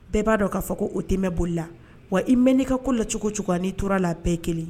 Bɛɛ b'a dɔn k'a fɔ ko oo temɛ boli la wa i mɛn i ka ko lacogo cogoya' tora la a pe kelen